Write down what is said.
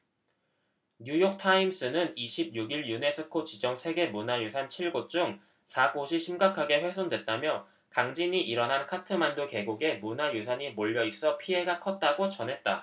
뉴욕타임스는 이십 육 일 유네스코 지정 세계문화유산 칠 곳 중 사 곳이 심각하게 훼손됐다며 강진이 일어난 카트만두 계곡에 문화유산이 몰려 있어 피해가 컸다고 전했다